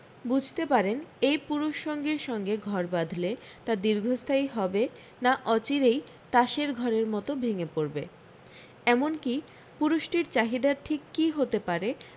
বুঝতে পারেন এ পুরুষ সঙ্গীর সঙ্গে ঘর বাঁধলে তা দীর্ঘস্থায়ী হবে না অচিরেই তাসের ঘরের মতো ভেঙে পড়বে এমনকি পুরুষটির চাহিদা ঠিক কী হতে পারে